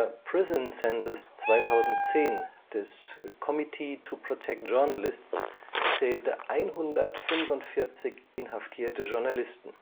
prison census 2010 “des Committee to Protect Journalists zählte 145 inhaftierte Journalisten